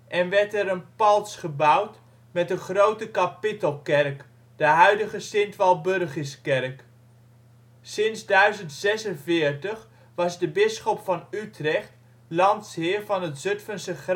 en werd er een palts gebouwd met een grote kapittelkerk, de huidige Sint Walburgiskerk. Sinds 1046 was de bisschop van Utrecht landsheer van het Zutphense graafschap